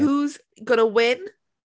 Who's, going to win?